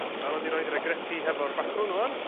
Ti'n barod i roid yr agretti hefo'r bacwn rŵan?